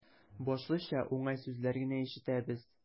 Башлыча, уңай сүзләр генә ишетәбез.